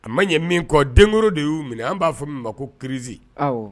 A man ye min kɔ den de y'u minɛ an b'a fɔ min ma ko kiriz